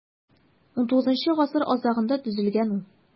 XIX гасыр азагында төзелгән ул.